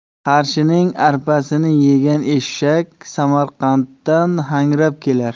qarshining arpasini yegan eshak samarqanddan hangrab kelar